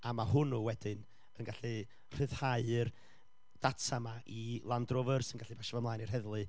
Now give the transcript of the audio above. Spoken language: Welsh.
a ma' hwnnw wedyn yn gallu rhyddhau'r data 'ma i Land Rover, sy'n gallu pasio fo mlaen i'r heddlu.